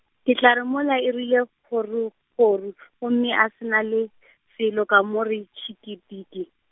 ke tla re mola e rile kgorokgoro , gomme a se na le , selo, ka mo re tšhikidi.